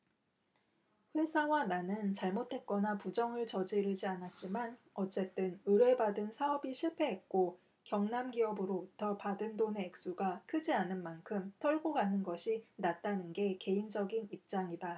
회사와 나는 잘못했거나 부정을 저지르지 않았지만 어쨌든 의뢰받은 사업이 실패했고 경남기업으로부터 받은 돈의 액수가 크지 않은 만큼 털고 가는 것이 낫다는 게 개인적인 입장이다